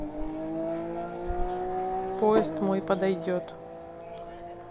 поезд мой подойдет